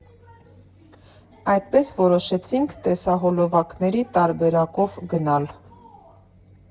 ֊ Այդպես որոշեցինք տեսահոլովակների տարբերակով գնալ»։